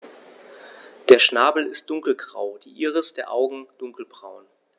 Der Schnabel ist dunkelgrau, die Iris der Augen dunkelbraun.